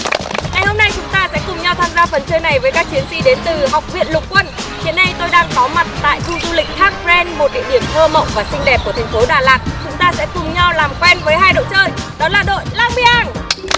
ngày hôm nay chúng ta sẽ cùng nhau tham gia phần chơi này với các chiến sĩ đến từ học viện lục quân hiện nay tôi đang có mặt tại khu du lịch thác pờ ren một địa điểm thơ mộng và xinh đẹp của thành phố đà lạt chúng ta sẽ cùng nhau làm quen với hai đội chơi đó là đội lang bi ang